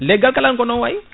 leggal kala ko non way